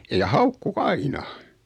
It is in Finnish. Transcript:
ja haukkui aina